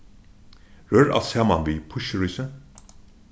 rør alt saman við pískirísi